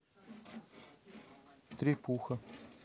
три пуха